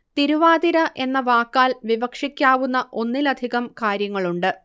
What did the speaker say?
തിരുവാതിര എന്ന വാക്കാൽ വിവക്ഷിക്കാവുന്ന ഒന്നിലധികം കാര്യങ്ങളുണ്ട്